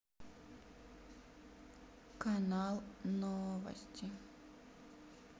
канал новости